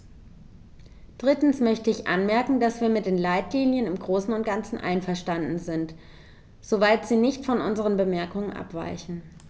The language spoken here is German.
Drittens möchte ich anmerken, dass wir mit den Leitlinien im großen und ganzen einverstanden sind, soweit sie nicht von unseren Bemerkungen abweichen.